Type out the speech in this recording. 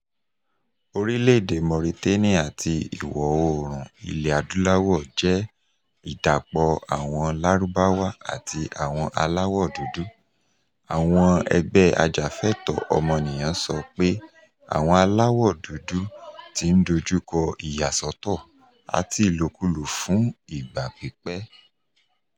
Orílẹ̀-èdè Mauritania ti Ìwọ̀-oòrùn Ilẹ̀-Adúláwọ̀ jẹ́ ìdàpọ̀ àwọn Lárúbáwá àti àwọn aláwọ̀ dúdú, àwọn ẹgbẹ́ ajàfẹ́tọ̀ọ́ ọmọnìyàn sọ pé àwọn aláwọ̀ dúdú ti ń dojúkọ ìyàsọ́tọ̀ àti ìlòkulò fún ìgbà pípẹ́.